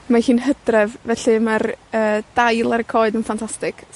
Mae hi'n Hydref, felly mae'r yy, dail ar y coed yn ffantastig.